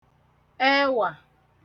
ẹwà